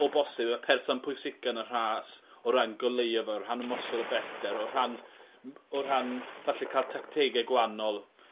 o bosib y person pwysica yn y rhas o ran goleuo fo o rhan ymosod o bellter o rhan m- o rhan falle ca'l tactege gwanol.